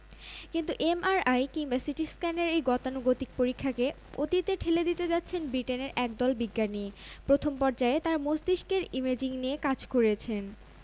সেটি না জেনে ধারাবাহিকে অভিনয় করছি না এখন যে কয়টি ধারাবাহিকে অভিনয় করছি সবগুলোর গল্প ভালো এগুলোতে অভিনয় করতে কোনো সমস্যাও হচ্ছে না দর্শকরা নাটকগুলো ভালোভাবেই নেবেন এ ধারণা আগেই ছিল